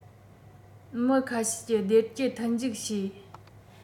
མི ཁ ཤས གྱི བདེ སྐྱིད མཐུན འཇུག བྱེད